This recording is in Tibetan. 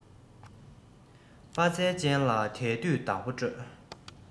དཔའ རྩལ ཅན ལ དལ དུས བདག པོ སྤྲོད